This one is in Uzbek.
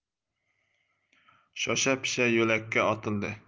shoshapisha yo'lakka otildi